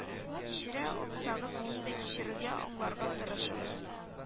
Кичерә алсагыз мине дә кичерергә аңларга тырышыгыз